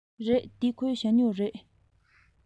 རེད འདི ཁོའི ཞ སྨྱུག རེད